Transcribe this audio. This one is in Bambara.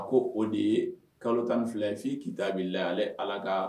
A ko o de ye kalo tan ni filɛfin kitabi la ale ala ka